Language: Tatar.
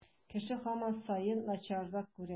Кеше һаман саен начаррак күрә.